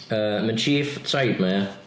Yy ma' chief y tribe 'ma ia.